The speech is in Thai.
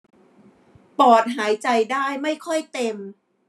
ปอดหายใจได้ไม่ค่อยเต็ม